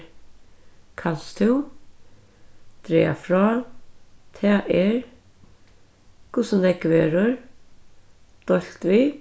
kanst tú draga frá tað er hvussu nógv verður deilt við